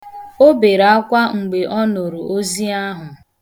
O bere akwa mgbe ọ nụrụ ozi ahụ.